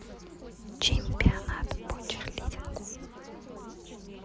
чемпионат по черлидингу